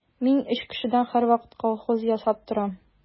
Мин өч кешедән һәрвакыт колхоз ясап торам.